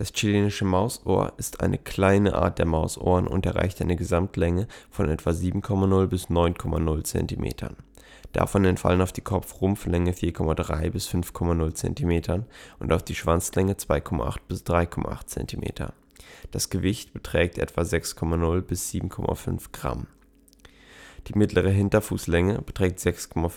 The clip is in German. Chilenische Mausohr ist eine kleine Art der Mausohren und erreicht eine Gesamtlänge von etwa 7,0 bis 9,0 Zentimeter, davon entfallen auf die Kopf-Rumpf-Länge 4,3 bis 5,0 Zentimeter und auf die Schwanzlänge 2,8 bis 3,8 Zentimeter; das Gewicht beträgt etwa 6,0 bis 7,5 Gramm. Die mittlere Hinterfußlänge beträgt 6,5